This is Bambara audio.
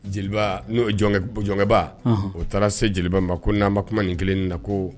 Jeliba n'o jɔnkɛba o taara se jeliba ma ko n'an ma kuma nin kelen na ko